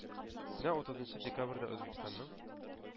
Менә утызынчы декабрьдә Үзбәкстанның